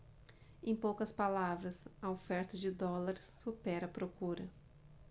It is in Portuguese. em poucas palavras a oferta de dólares supera a procura